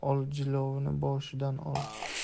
ol jilovini boshdan ol